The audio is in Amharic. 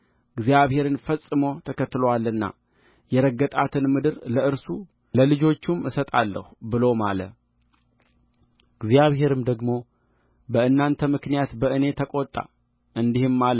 እግዚአብሔርን ፈጽሞ ተከትሎአልና የረገጣትን ምድር ለእርሱ ለልጆቹም እሰጣለሁ ብሎ ማለእግዚአብሔርም ደግሞ በእናንተ ምክንያት በእኔ ተቆጣ እንዲህም አለ